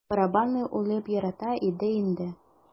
Барабанны үлеп ярата иде инде.